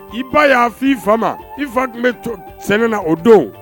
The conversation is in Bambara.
I ba y'a fɔ i fa ma i fa tun bɛ sɛnɛ na o don